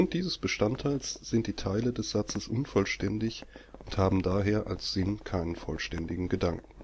dieses Bestandteils sind die Teile des Satzes unvollständig und haben daher als Sinn keinen vollständigen Gedanken